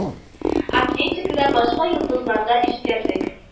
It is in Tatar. Атлетико да башка йолдызлар да җитәрлек